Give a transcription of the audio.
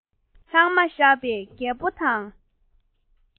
ལྷག མ བཞག པས རྒད པོ དང